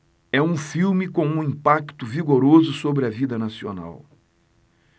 é um filme com um impacto vigoroso sobre a vida nacional